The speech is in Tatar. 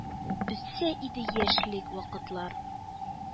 Үтсә иде яшьлек вакытлар.